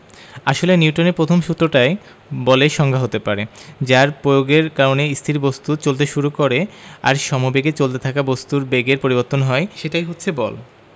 আসলে নিউটনের প্রথম সূত্রটাই বলের সংজ্ঞা হতে পারে যার প্রয়োগের কারণে স্থির বস্তু চলতে শুরু করে আর সমবেগে চলতে থাকা বস্তুর বেগের পরিবর্তন হয় সেটাই হচ্ছে বল